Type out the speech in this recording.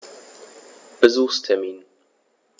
Besuchstermin